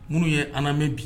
Minnu ye an lamɛn bi